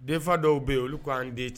Denfa dɔw bɛ yen olu ko an den.